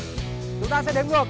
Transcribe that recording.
ta sẽ đếm ngược